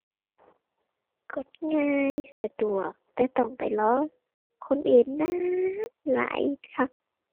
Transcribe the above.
กดง่าย สะดวก แต่ต้องไปรอคนอื่นนานหลายคัก